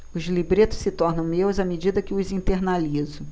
os libretos se tornam meus à medida que os internalizo